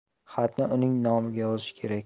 xatni uning nomiga yozish kerak